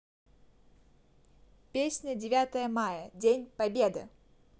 песня девятое мая день победы